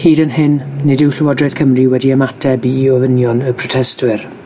Hyd yn hyn, nid yw Llywodraeth Cymru wedi ymateb i ofynion y protestwyr.